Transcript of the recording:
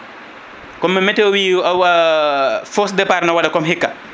comme no météo o wi fausse départ ne waɗa comme hikka